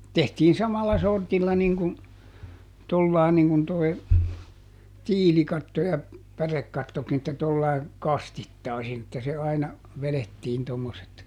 tehtiin samalla sortilla niin kuin tuolla lailla niin kuin tuo tiilikatto ja pärekattokin että tuolla lailla kastittaisin että se aina vedettiin tuommoiset